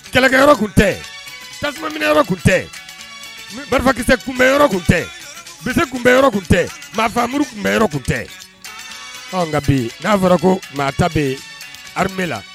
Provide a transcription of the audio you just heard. Kɛlɛkɛ yɔrɔ tun tɛ tasumaminɛ yɔrɔ tun tɛ marifakisɛ kun bɛ yɔrɔ kun tɛ bilisi kun bɛ yɔrɔ kun tɛ maa faamumuru tun bɛ yɔrɔ kun tɛ nka bi n'a fɔra ko maa ta bɛ yen habe la